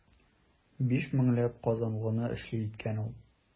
Биш меңләп казанлыны эшле иткән ул.